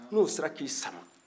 ni o sera ka i sara